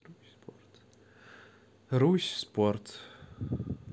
русь спорт